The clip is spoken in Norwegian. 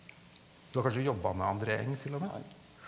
du har kanskje jobba med André Engh til og med?